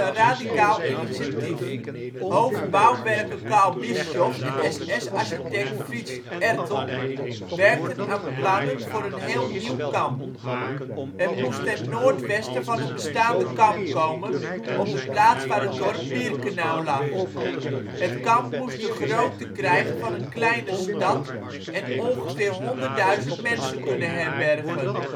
radicaal initiatief. Hoofd Bouwwerken Karl Bischoff en SS-architect Fritz Ertl werkten aan plannen voor een heel nieuw kamp. Het moest ten noordwesten van het bestaande kamp komen, op de plaats waar het dorp Birkenau lag. Het kamp moest de grootte krijgen van een kleine stad en ongeveer 100 000 mensen kunnen herbergen